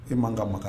E man ka ma